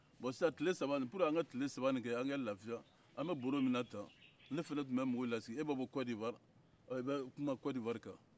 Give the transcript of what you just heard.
bɔn sisan tile saba in pour que an ka tilen saba in kɛ an ka lafiya an bɛ baro min na ta ne fana tun bɛ mɔgɔw lasiki e bɛ bɔ koriwari e bɛ kuma koriwari kan